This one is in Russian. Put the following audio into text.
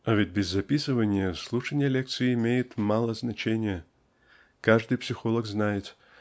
А ведь без записывания слушание лекций имеет мало значения. Каждый психолог знает